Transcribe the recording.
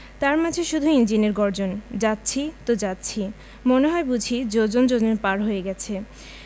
তার মাঝে শুধু ইঞ্জিনের গর্জন যাচ্ছি তো যাচ্ছি মনে হয় বুঝি যোজন যোজন পার হয়ে গেছে